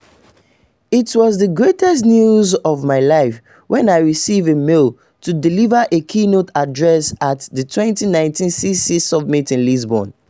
It was the greatest news of my life when I received a mail to deliver a keynote address at the 2019 CC Summit in Lisbon...